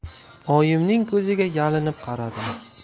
oyimning ko'ziga yalinib qaradim